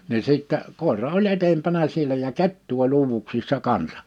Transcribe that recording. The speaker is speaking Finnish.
niin sitten koira oli edempänä siellä ja kettu oli uuvuksissa kanssa